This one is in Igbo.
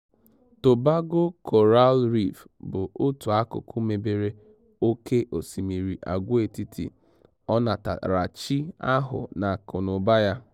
Tobago Coral Reef bụ otu akụkụ mebere oke osimiri agwaetiti ọnatarachi ahụ na akụnaụba ya.